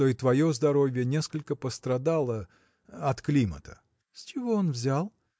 что и твое здоровье несколько пострадало. от климата. – С чего он взял?